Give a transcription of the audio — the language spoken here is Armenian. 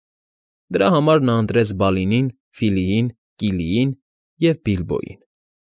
Դրա համար նա ընտրեց Բալիին, Ֆիլիին, Կիլիին և Բիլբոյին։